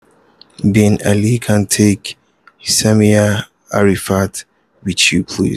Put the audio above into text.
Bin Ali can you take samir alrifai with you please ?